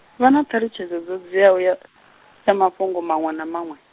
vha na ṱhalutshedzo dzo dziaho ya , ya mafhungo manwe na manwe?